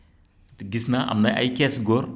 gis naa am na ay kees góor